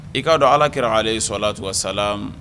I k'a dɔn ala kɛra ale sɔ la tu sala